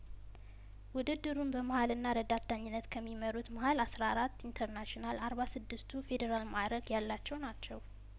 ውድድሩን በመሀልና ረዳት ዳኝነት ከሚመሩት መሀል አስራ አራት ኢንተርናሽናል አርባ ስድስቱ ፌዴራል ማእረግ ያላቸው ናቸው